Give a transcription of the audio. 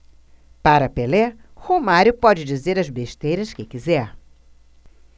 para pelé romário pode dizer as besteiras que quiser